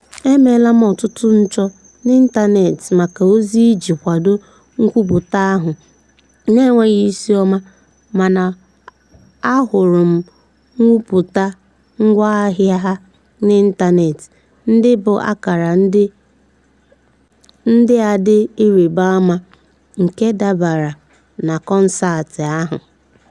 Emeela m ọtụtu nchọ n'ịntaneetị maka ozi iji kwado nkwupụta ahụ na-enweghị isiọma mana ahụrụ m mwepụta ngwaahịa ha n'ịntaneetị ndị bu ákàrà ndị a dị ịrịbaama, nke dabara na kọnseetị ahụ...